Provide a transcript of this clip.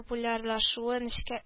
Популярлашуы нечкә